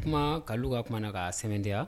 O kuma kalu kaumana na ka sɛmɛdiyaya